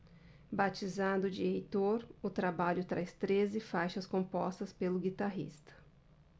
batizado de heitor o trabalho traz treze faixas compostas pelo guitarrista